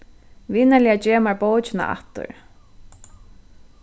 vinarliga gev mær bókina aftur